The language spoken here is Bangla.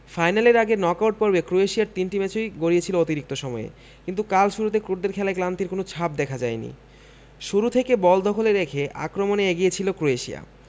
ফাইনালের আগে নকআউট পর্বে ক্রোয়েশিয়ার তিনটি ম্যাচই গড়িয়েছিল অতিরিক্ত সময়ে কিন্তু কাল শুরুতে ক্রোটদের খেলায় ক্লান্তির কোনো ছাপ দেখা যায়নি শুরু থেকে বল দখলে রেখে আক্রমণে এগিয়ে ছিল ক্রোয়েশিয়া